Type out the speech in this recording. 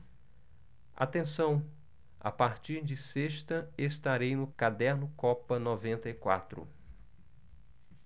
atenção a partir de sexta estarei no caderno copa noventa e quatro